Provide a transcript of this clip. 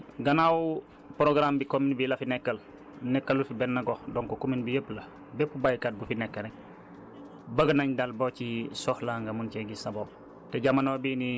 effectivement gannaaw programme bi commune bi la fi nekkal nekkalu fi benn gox donc commune bi yépp la bépp baykat bu fi nekk rekk bëgg nañ daal boo ci soxlaa nga mën cee gis sa bopp